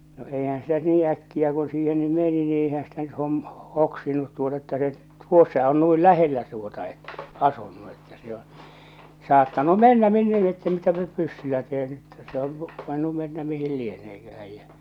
no eihän sitä nyt niin äkkiä kun siihen nyt meni niin eihän sitä nyt - hoksinut tuota että se tuossa on noin lähellä tuota että asunut että se on saattanut mennä minne lie että mitä nyt pyssyllä teen että se on kun voinut mennä mihin lieneekään ja